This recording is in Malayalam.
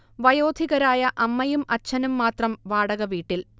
വയോധികരായ അമ്മയും അച്ഛനും മാത്രം വാടക വീട്ടിൽ